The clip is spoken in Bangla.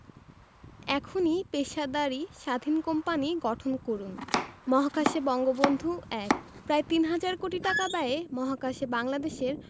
এখনই পেশাদারি স্বাধীন কোম্পানি গঠন করুন মহাকাশে বঙ্গবন্ধু ১ প্রায় তিন হাজার কোটি টাকা ব্যয়ে মহাকাশে বাংলাদেশের